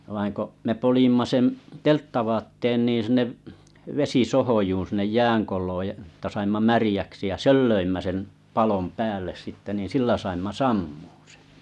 vaan kun me poljmme sen telttavaatteen niin sinne vesisohjoon sinne jäänkolon ja että saimme märäksi ja sen löimme sen palon päälle sitten niin sillä saimme sammumaan sen